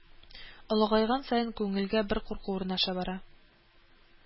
Олыгайган саен, күңелгә бер курку урнаша бара